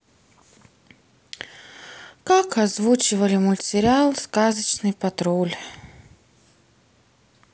как озвучивали мультсериал сказочный патруль